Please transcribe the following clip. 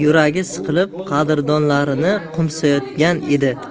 yuragi siqilib qadrdonlarini qo'msayotgan edi